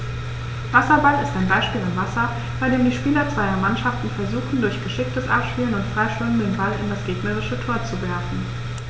Wasserball ist ein Ballspiel im Wasser, bei dem die Spieler zweier Mannschaften versuchen, durch geschicktes Abspielen und Freischwimmen den Ball in das gegnerische Tor zu werfen.